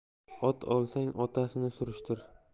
ot olsang otasini surishtir